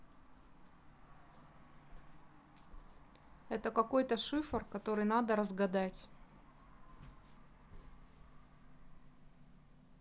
это какой то шифр который надо разгадать